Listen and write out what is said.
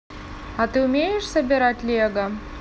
а ты умеешь собирать лего